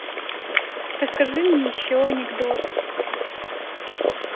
расскажи мне еще анекдот